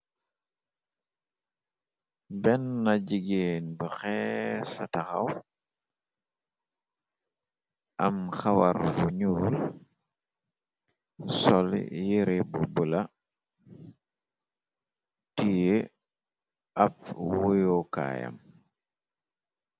Benn na jigéen bu xees sa taxaw, mu xawa rf ñul, sol yire bu bula tehe, ab wuyo kaayam.